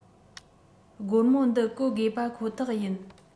སྒོར མོ འདི བཀོལ དགོས པ ཁོ ཐག ཡིན